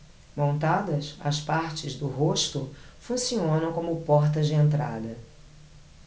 montadas as partes do rosto funcionam como portas de entrada